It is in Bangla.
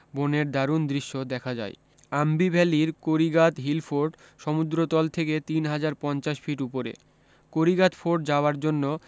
বনের দারুণ দৃশ্য দেখা যায় আম্বি ভ্যালীর করিগাদ হিলফোর্ট সমুদ্রতল থেকে তিন হাজার পঞ্চাশ ফিট উপরে করিগাদ ফোর্ট যাবার জন্য